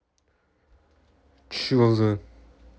че за